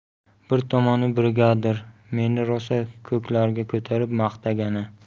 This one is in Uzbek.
bir tomoni brigadir meni rosa ko'klarga ko'tarib maqtagani